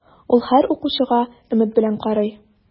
Ул һәр укучыга өмет белән карый.